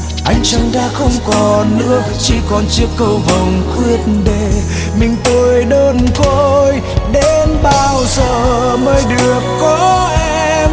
ánh trăng đã không còn nữa chỉ còn chiếc cầu vồng khuyết để mình tôi đơn côi đến bao giờ mới được có em